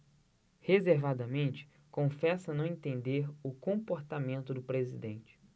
reservadamente confessa não entender o comportamento do presidente